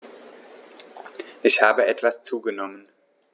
Ich habe etwas zugenommen